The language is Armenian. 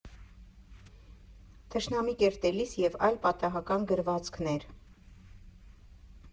ԹՇՆԱՄԻ ԿԵՐՏԵԼԻՍ ԵՎ ԱՅԼ ՊԱՏԱՀԱԿԱՆ ԳՐՎԱԾՔՆԵՐ։